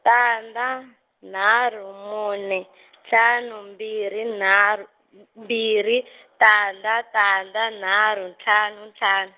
tandza, nharhu mune, tlhanu mbirhi nharhu m-, mbirhi tandza tandza nharhu ntlhanu ntlhanu.